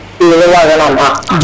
i nu mbasanaam xaq.